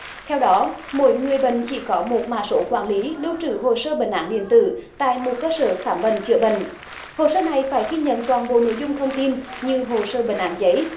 theo đó mỗi người bệnh chỉ có một mã số quản lý lưu trữ hồ sơ bệnh án điện tử tại một cơ sở khám bệnh chữa bệnh hồ sơ này phải ghi nhận toàn bộ nội dung thông tin như hồ sơ bệnh án giấy